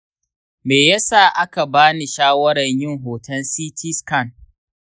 me yasa aka ba ni shawarar yin hoton ct scan?